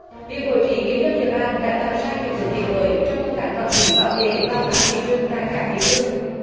việc bố trí kiểm lâm địa bàn đã tạo ra những bước tiến mới trong công tác quản lý bảo vệ và phát triển rừng tại các địa phương